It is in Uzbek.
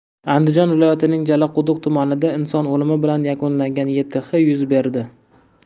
andijon viloyatining jalaquduq tumanida inson o'limi bilan yakunlangan yth yuz berdi